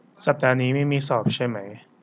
สัปดาห์นี้ไม่มีสอบใช่ไหม